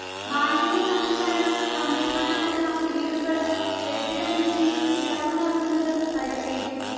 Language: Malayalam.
മാലിന്യ സംസ്കരണ സംവിധാനമുള്ള വീടുകൾക്ക് കെട്ടിട നികുതിയിൽ ഇളവ് നല്കുന്നത് പരിഗണിക്കും